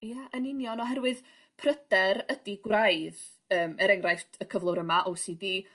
Ia yn union oherwydd pryder ydy gwraidd yrm er enghraifft y cyflwr yma ow si di.